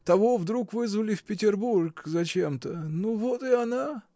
Того вдруг вызвали в Петербург зачем-то. Ну вот и она.